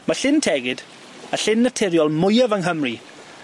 Ma' Llyn Tegid, y llyn naturiol mwyaf yng Nghymru,